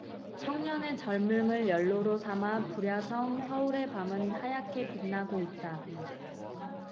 청년의 젊음을 연료 삼아 불야성 서울의 밤은 하얗게 빛나고 있다